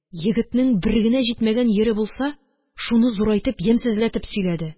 Егетнең бер генә җитмәгән йире булса, шуны зурайтып, ямьсезләтеп сөйләде.